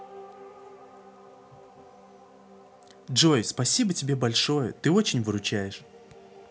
джой спасибо тебе большое ты очень выручаешь